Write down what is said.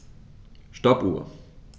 Stoppuhr.